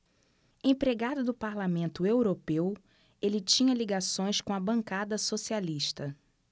empregado do parlamento europeu ele tinha ligações com a bancada socialista